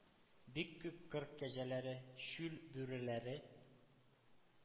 Бик күп кыр кәҗәләре, чүл бүреләре,